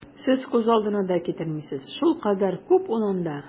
Сез күз алдына да китермисез, шулкадәр күп ул анда!